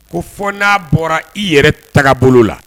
Ko fɔ n'a bɔra i yɛrɛ tagabolo la